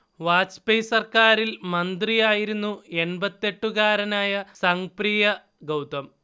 വാജ്പേയ് സർക്കാരിൽ മന്ത്രിയായിരുന്നു എൺപത്തെട്ടുകാരനായ സംഗ് പ്രിയ ഗൗതം